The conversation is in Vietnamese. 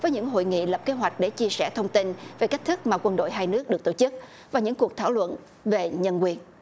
với những hội nghị lập kế hoạch để chia sẻ thông tin về cách thức mà quân đội hai nước được tổ chức và những cuộc thảo luận về nhân quyền